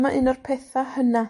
o'r petha hyna.